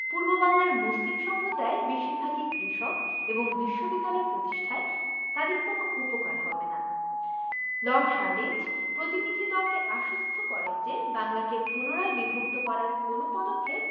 পূর্ববাংলার মুসলিম সম্প্রদায় বেশির ভাগই কৃষক এবং বিশ্ববিদ্যালয় প্রতিষ্ঠায় তাদের কোনো উপকার হবে না লর্ড হার্ডিঞ্জ প্রতিনিধিদলকে আশ্বস্ত করেন যে বাংলাকে পুনরায় বিভক্ত করার কোনো পদক্ষেপ